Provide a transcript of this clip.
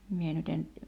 minä nyt en